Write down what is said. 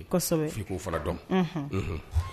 I ko sabu fiko fana dɔn